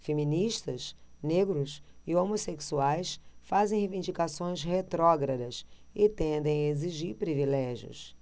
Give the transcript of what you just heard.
feministas negros e homossexuais fazem reivindicações retrógradas e tendem a exigir privilégios